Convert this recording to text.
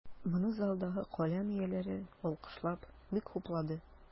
Моны залдагы каләм ияләре, алкышлап, бик хуплады.